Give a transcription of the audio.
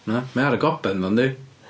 Na, mae o ar y goben ddo yndi?